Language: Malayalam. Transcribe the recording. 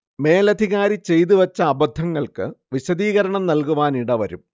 മേലധികാരി ചെയ്തു വെച്ച അബദ്ധങ്ങൾക്ക് വിശദീകരണം നൽകുവാനിടവരും